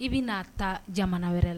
I bi naa taa jamana wɛrɛ la